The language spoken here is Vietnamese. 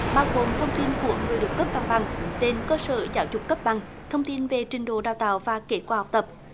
bao gồm thông tin của người được cấp văn bằng trên cơ sở giáo dục cấp bằng thông tin về trình độ đào tạo và kết quả học tập